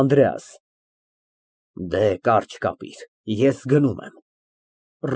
ԱՆԴՐԵԱՍ ֊ Դեհ, կարճ կապիր, ես գնում եմ։